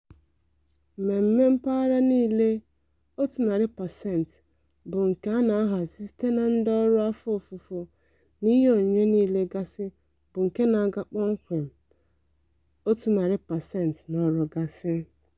Mmemme mpaghara niile 100% bụ nke a na-ahazi site na ndị ọrụ afọ ofufo na ihe onyinye niile gasị bụ nke na-aga kpọmkwem 100% n'ọrụ gasị.